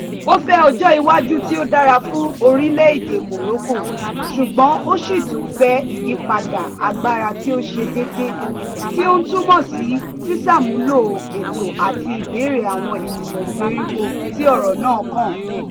Ó fẹ́ ọjọ́ iwájú tí ó dára fún orílẹ̀ èdè Morocco, ṣùgbọ́n ó ṣì tún fẹ́ ìyípadà agbára tí ó ṣe déédéé, tí ó ń túmọ̀ sí sísàmúlò ẹ̀tọ́ àti ìbéèrè àwọn ènìyàn ìgbèríko tí ọ̀rọ̀ náà kàn.